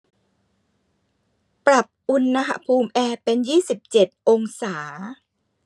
ปรับอุณหภูมิแอร์เป็นยี่สิบเจ็ดองศา